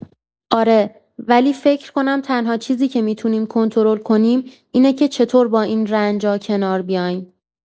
آره، ولی فکر کنم تنها چیزی که می‌تونیم کنترل کنیم، اینه که چطور با این رنجا کنار بیایم.